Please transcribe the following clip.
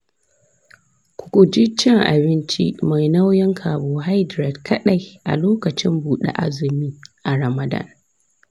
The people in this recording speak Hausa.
ku guji cin abinci mai nauyin carbohydrate kaɗai a lokacin buɗe azumi a ramadan.